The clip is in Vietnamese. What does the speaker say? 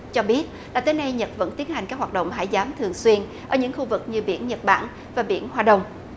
cho biết đã tới nay nhật vẫn tiến hành các hoạt động hải giám thường xuyên ở những khu vực như biển nhật bản và biển hoa đông